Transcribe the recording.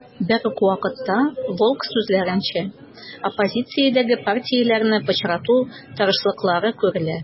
Берүк вакытта, Волк сүзләренчә, оппозициядәге партияләрне пычрату тырышлыклары күрелә.